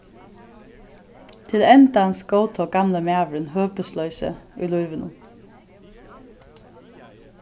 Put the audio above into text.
til endans góðtók gamli maðurin høpisloysið í lívinum